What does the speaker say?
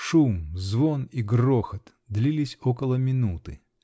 Шум, звон и грохот длились около минуты.